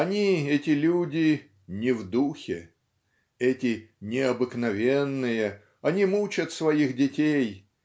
Они, эти люди "не в духе", эти "необыкновенные", они мучат своих детей